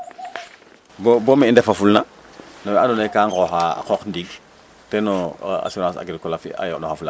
bon bo me i ndefafulna no we andoona yee ka nqooxa a qoox ndiig ten o assurance agricole fo a yo'nooxfula